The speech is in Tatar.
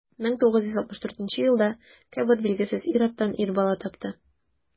1964 елда кэбот билгесез ир-аттан ир бала тапты.